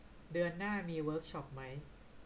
เดือนหน้ามีเวิคช็อปมั้ย